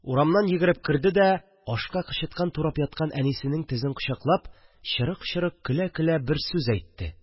Урамнан йөгереп керде дә, ашка кычыткан турап яткан әнисенең тезен кочаклап чырык-чырык көлә-көлә бер сүз әйтте